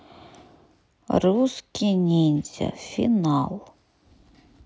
русский ниндзя финал